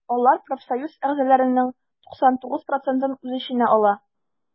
Алар профсоюз әгъзаларының 99 процентын үз эченә ала.